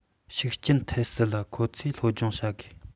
ཤུགས རྐྱེན ཐེབས སྲིད ལ ཁོང ཚོའི སློབ སྦྱོང བྱ དགོས